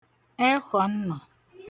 ẹkwànna